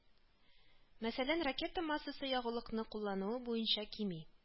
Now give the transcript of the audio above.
Мәсәлән ракета массасы ягулыкны куллануы буенчв кими